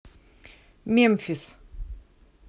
мемфис